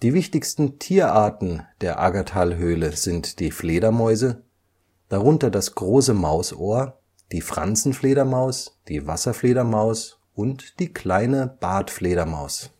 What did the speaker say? wichtigsten Tierarten der Aggertalhöhle sind die Fledermäuse, darunter das Große Mausohr, die Fransenfledermaus, die Wasserfledermaus und die Kleine Bartfledermaus